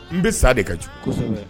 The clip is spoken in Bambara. N bɛ sa de ka